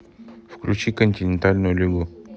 включи континентальную лигу